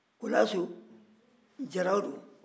kolaso jaraw don